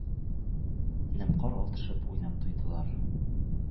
Нәм кар атышып уйнап туйдылар.